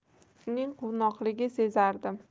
uning quvnoqligi sezardim